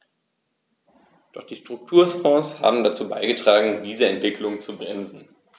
Doch die Strukturfonds haben dazu beigetragen, diese Entwicklung zu bremsen.